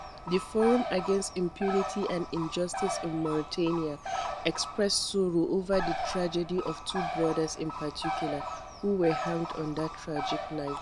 The Forum Against Impunity and Injustice in Mauritania expressed sorrow over the tragedy of two brothers in particular who were hanged on that tragic night: